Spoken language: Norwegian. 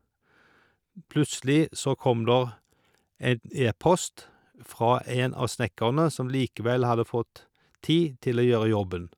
Plutselig så kom der en e-post fra en av snekkerne, som likevel hadde fått tid til å gjøre jobben.